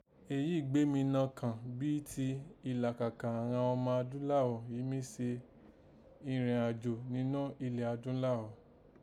Èyíì gbé mi nọkàn bí ti ìlà kàkà àghan ọma adúnlághọ̀ yìi mi se ìrẹ̀n àjò ninọ́ ilẹ̀ adúlághọ̀